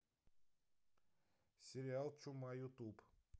сериал чума ютуб